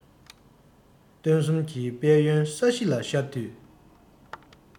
སྟོན གསུམ གྱི དཔལ ཡོན ས གཞི ལ ཤར དུས